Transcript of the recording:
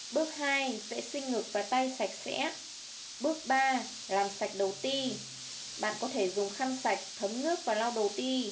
bước vệ sinh ngực và tay sạch sẽ bước làm sạch đầu ti bạn có thể dùng khăn sạch thấm nước và lau đầu ti